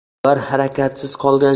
ular harakatsiz qolgan